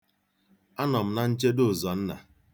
Anọ m na nchedo Ụzọnna.